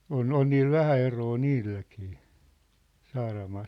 on on niillä vähän eroa niilläkin Saaramaalla